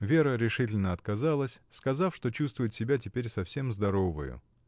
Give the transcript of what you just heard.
Вера решительно отказалась, сказав, что чувствует себя теперь совсем здоровою.